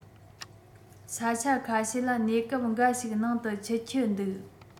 ས ཆ ཁ ཤས ལ གནས སྐབས འགའ ཞིག ནང དུ ཆུ འཁྱིལ འདུག